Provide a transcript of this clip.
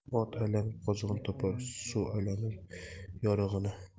ot aylanib qozig'ini topar suv aylanib yorig'ini